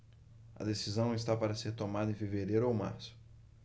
a decisão está para ser tomada em fevereiro ou março